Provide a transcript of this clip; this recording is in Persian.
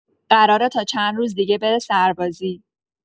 قراره تا چند روز دیگه بره سربازی